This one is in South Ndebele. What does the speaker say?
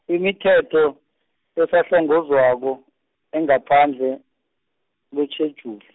imithetho, esahlongozwako, engaphandle, kwetjheduli.